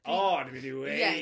O, o'n i'n mynd i weud!... Ie